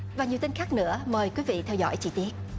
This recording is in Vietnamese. và nhiều tin khác nữa mời quý vị theo dõi chi tiết